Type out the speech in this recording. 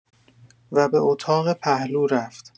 و به اطاق پهلو رفت.